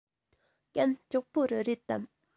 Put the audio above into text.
གན ལྕོགས པོ རི རེད དམ